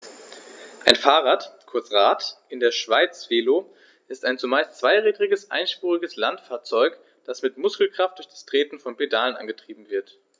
Ein Fahrrad, kurz Rad, in der Schweiz Velo, ist ein zumeist zweirädriges einspuriges Landfahrzeug, das mit Muskelkraft durch das Treten von Pedalen angetrieben wird.